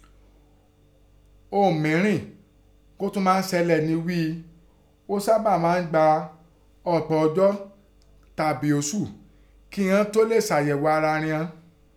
Ihun mìírìn kọ́ tún máa sẹlẹ̀ ni ghíi, ọ́ sáábà máa gba ọ̀pọ̀ ijọ́ tàbín osù kẹn inọ́n tóó lè ṣàyẹ̀ò ara riọn.